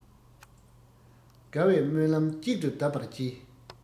དགའ བའི སྨོན ལམ གཅིག ཏུ གདབ པར བགྱི